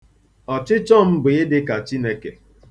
Ọchịchọ m bụ ịdị ka Chineke.